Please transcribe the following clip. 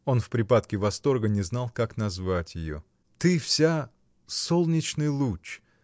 Он в припадке восторга не знал, как назвать ее. — Ты вся — солнечный луч!